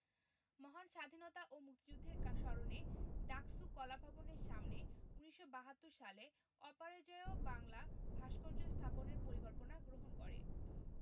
মহান স্বাধীনতা ও মুক্তিযুদ্ধের স্মরণে ডাকসু কলাভবনের সামনে ১৯৭২ সালে অপরাজেয় বাংলা ভাস্কর্য স্থাপনের পরিকল্পনা গ্রহণ করে